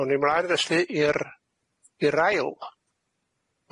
Awn ni mlaen felly i'r i'r ail.